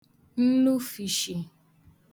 nnufīshī